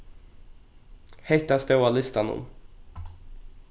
hetta stóð á listanum